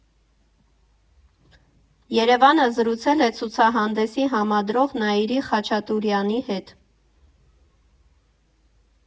ԵՐԵՎԱՆը զրուցել է ցուցահանդեսի համադրող Նայիրի Խաչատուրեանի հետ։